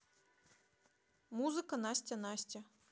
музыка настя настя